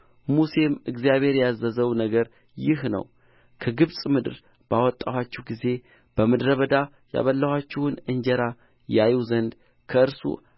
ሙሴም እግዚአብሔር ያዘዘው ነገር ይህ ነው ከግብፅ ምድር ባወጣኋችሁ ጊዜ በምድረ በዳ ያበላኋችሁን እንጀራ ያዩ ዘንድ ከእርሱ